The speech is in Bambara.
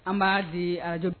An b'a di aj